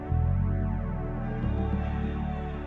San yo